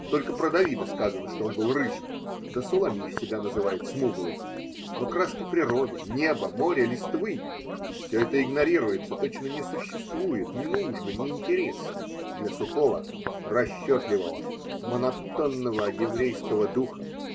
Только про Давида сказано, что он был рыжий, да Суламифь себя называет смуглой: но краски природы, неба, моря, листвы – все это игнорируется, точно не существует, не нужно, не интересно для сухого, расчетливого, монотонного еврейского духа.